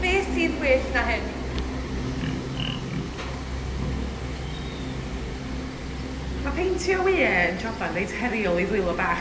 beth sydd well na hyn? Ma' peintio wye yn joban reit heriol i ddwylo bach